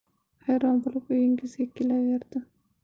hayron bo'lib uyingizga kelaverdim